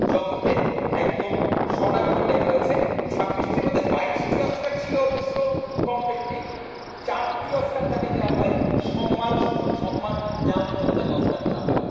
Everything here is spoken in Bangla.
জগতে একদম স্বর্ণাক্ষরে লেখা রয়েছে 26 টির মধ্যে 22 টি অস্কার ছিল অবশ্য কম্পিটিটিভ চারটি অস্কার তাকে দেয়া হয় সম্মান সূচক সম্মান জানানোর জন্য তাকে অস্কার দেয়া হয়